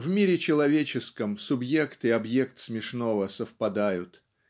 В мире человеческом субъект и объект смешного совпадают.